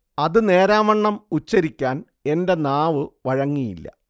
അതു നേരാംവണ്ണം ഉച്ചരിക്കാൻ എൻെറ നാവു വഴങ്ങിയില്ല